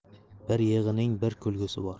bir yig'ining bir kulgusi bor